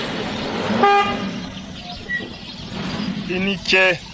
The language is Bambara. i ni ce